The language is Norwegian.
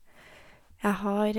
Jeg har...